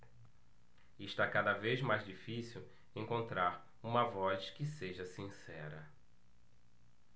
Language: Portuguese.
está cada vez mais difícil encontrar uma voz que seja sincera